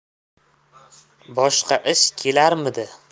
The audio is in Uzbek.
boshqa ish kelarmidi